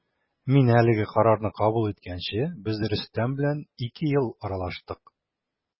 Мин әлеге карарны кабул иткәнче без Рөстәм белән ике ел аралаштык.